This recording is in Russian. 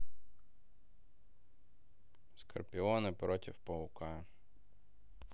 скорпионы против паука